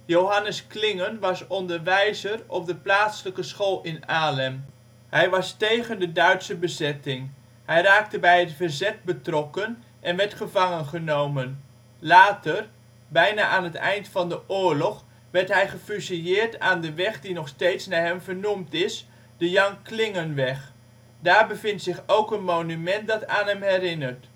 Johannes Klingen was onderwijzer op de plaatselijke school in Alem. Hij was tegen de Duitse bezetting. Hij raakte bij het verzet betrokken en werd gevangengenomen. Later, bijna aan het eind van de oorlog, werd hij gefusilleerd aan de weg die nog steeds naar hem vernoemd is, de Jan Klingenweg. Daar bevindt zich ook een monument dat aan hem herinnert